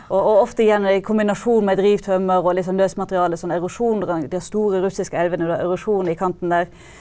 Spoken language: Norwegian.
og og ofte igjen i kombinasjon med drivtømmer og litt sånn løst materiale som erosjon de store russiske elvene, erosjon i kanten der.